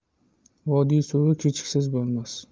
vodiy suvi kechiksiz bo'lmas